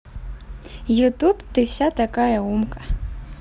youtube ты вся такая умка